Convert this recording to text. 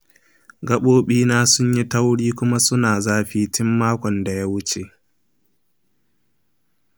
gaɓoɓi na sunyi tauri kuma suna zafi tin makon da ya wuce.